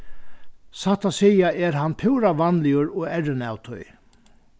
satt at siga er hann púra vanligur og errin av tí